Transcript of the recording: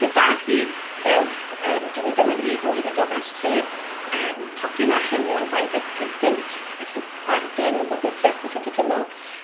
Felly da chi, dewch, ym dyw hi ddim yn rhy hwyr i gofrestru, yym tocyn a chinio'n ddau ddeg pump punt, felly bargen gobeithio eich bod chi'n cytuno.